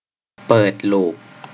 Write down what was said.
เปิดลูป